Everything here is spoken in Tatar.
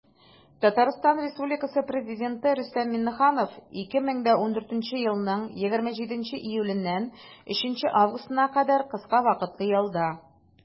Татарстан Республикасы Президенты Рөстәм Миңнеханов 2014 елның 27 июленнән 3 августына кадәр кыска вакытлы ялда.